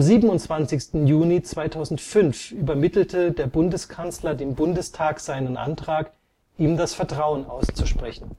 27. Juni 2005 übermittelte der Bundeskanzler dem Bundestag seinen Antrag, ihm das Vertrauen auszusprechen.